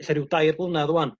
ella ryw dair blynadd 'ŵan